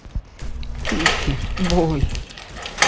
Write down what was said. кики бой